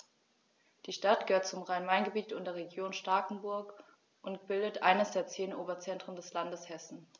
Die Stadt gehört zum Rhein-Main-Gebiet und der Region Starkenburg und bildet eines der zehn Oberzentren des Landes Hessen.